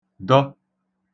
dọ